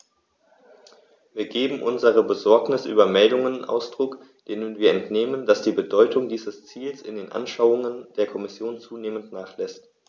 Wir geben unserer Besorgnis über Meldungen Ausdruck, denen wir entnehmen, dass die Bedeutung dieses Ziels in den Anschauungen der Kommission zunehmend nachlässt.